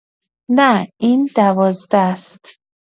نه، این دوازده‌ست.